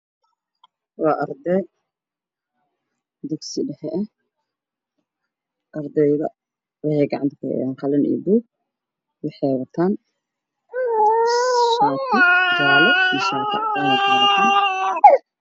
Waa arday dugsi dhexe waxay wataan shaatijaallo shaati cadaan cashar ay qaadanayaan